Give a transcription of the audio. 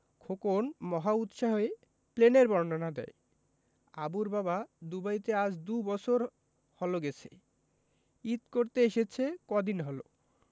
খোকন মহা উৎসাহে প্লেনের বর্ণনা দেয় আবুর বাবা দুবাইতে আজ দুবছর হলো গেছে ঈদ করতে এসেছে কদিন হলো